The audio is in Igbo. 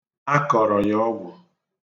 A kọrọ ya ọgwụ.